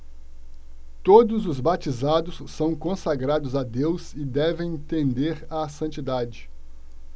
todos os batizados são consagrados a deus e devem tender à santidade